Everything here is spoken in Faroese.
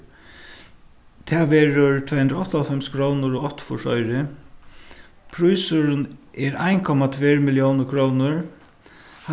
tað verður tvey hundrað og áttaoghálvfems krónur og áttaogfýrs oyru prísurin er ein komma tvær milliónir krónur